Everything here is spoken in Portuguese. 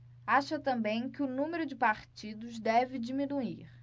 acha também que o número de partidos deve diminuir